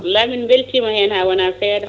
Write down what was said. wallhi min beltima hen ha woona seeɗa